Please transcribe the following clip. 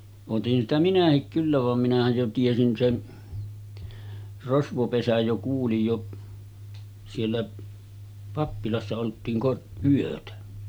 otin sitä minäkin kyllä vaan minähän jo tiesin sen rosvopesän jo kuulin jo siellä pappilassa oltiin - yötä